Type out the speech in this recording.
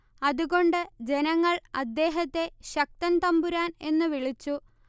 അതുകൊണ്ട് ജനങ്ങൾ അദ്ദേഹത്തെ ശക്തൻ തമ്പുരാൻ എന്നു വിളിച്ചു